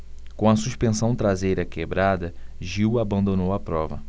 com a suspensão traseira quebrada gil abandonou a prova